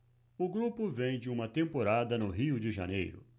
o grupo vem de uma temporada no rio de janeiro